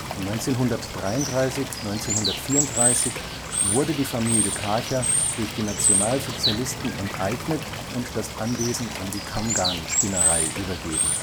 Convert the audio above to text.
1933 / 1934 wurde die Familie Karcher durch die Nationalsozialisten enteignet und das Anwesen an die Kammgarn-Spinnerei übergeben